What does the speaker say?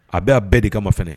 A bɛɛ bɛɛ de kamama fɛ